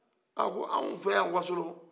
a ko an fɛ yan wasolo